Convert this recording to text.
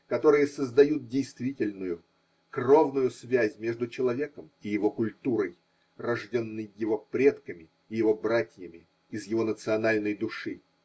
которые создают действительную, кровную связь между человеком и его культурой, рожденной его предками и его братьями из его национальной души.